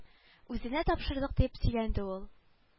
Үзенә тапшырдык дип сөйләнде ул